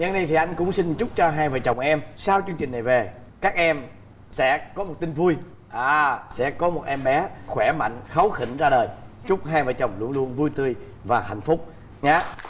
nhân đây thì anh cũng xin chúc cho hai vợ chồng em sau chương trình này về các em sẽ có một tin vui à sẽ có một em bé khỏe mạnh kháu khỉnh ra đời chúc hai vợ chồng luôn luôn vui tươi và hạnh phúc nhá